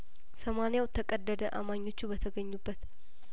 ሰማንያው ተቀደደ አማ ኞቹ በተገኙ በት